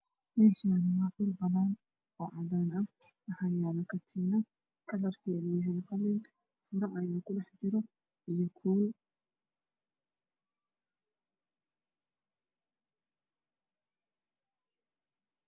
Meeshaani waa dhul banaan oo cadaan waxaa yaalo katiinad kalarkeedu yahay qalin Maro ayaa ku jiro iyo kuul